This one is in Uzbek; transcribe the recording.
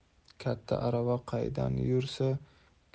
katta arava qaydan yursa